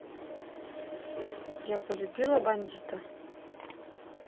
я полюбила бандита